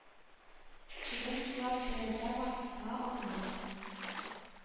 Чебен дулап тәрәзә вата алмый